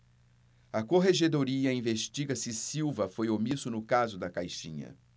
a corregedoria investiga se silva foi omisso no caso da caixinha